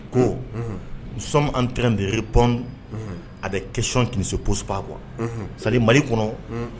Ko nous sommes en train de répondre à des questions qui ne se posent pas quoi. C'est à dire mali kɔnɔ